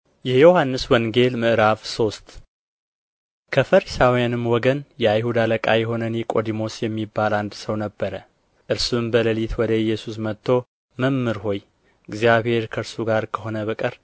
የዮሐንስ ወንጌል ምዕራፍ ሶስት ከፈሪሳውያንም ወገን የአይሁድ አለቃ የሆነ ኒቆዲሞስ የሚባል አንድ ሰው ነበረ እርሱም በሌሊት ወደ ኢየሱስ መጥቶ መምህር ሆይ እግዚአብሔር ከእርሱ ጋር ከሆነ በቀር